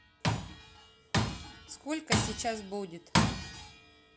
сколько сейчас будет